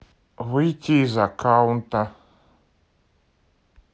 выйти из аккаунта